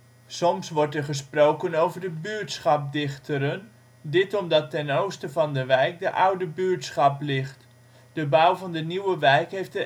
Soms wordt er gesproken over de buurtschap Dichteren, dit omdat ten oosten van de wijk de ' oude ' buurtschap ligt. De bouw van de nieuwe wijk heeft